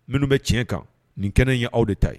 Minnu bɛ tiɲɛ kan nin kɛnɛ ye aw de ta ye